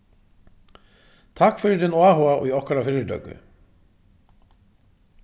takk fyri tín áhuga í okkara fyritøku